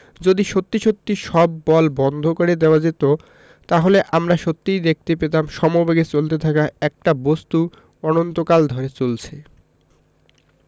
যদি সত্যি সত্যি সব বল বন্ধ করে দেওয়া যেত তাহলে আমরা সত্যিই দেখতে পেতাম সমবেগে চলতে থাকা একটা বস্তু অনন্তকাল ধরে চলছে